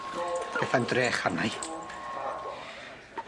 Petha'n drech arnai.